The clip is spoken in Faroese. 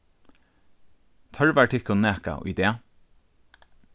tørvar tykkum nakað í dag